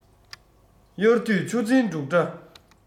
དབྱར དུས ཆུ འཛིན འབྲུག སྒྲ